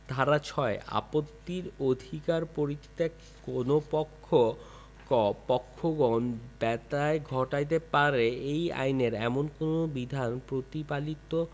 ধারা ৬ আপত্তির অধিকার পরিত্যাগঃ কোন পক্ষ ক পক্ষগণ ব্যত্যয় ঘটাইতে পারে এই আইনের এমন কোন বিধান প্রতিপালিত